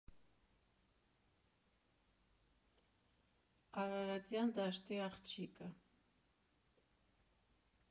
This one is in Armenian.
Արարատյան դաշտի աղջիկը։